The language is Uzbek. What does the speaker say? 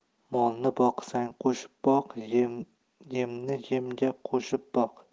molni boqsang qo'shib boq yemni yemga qo'shib boq